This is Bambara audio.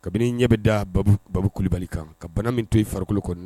Kabini i ɲɛ bi da Babu kulubali kan ka bana min to i farikolo kɔnɔ